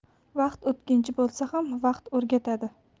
vaqt o'tkinchi bo'lsa ham vaqt o'rgatadi